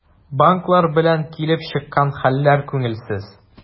Банклар белән килеп чыккан хәлләр күңелсез.